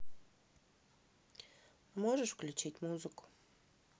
а можешь включить музыку